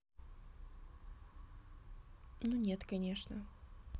ну нет конечно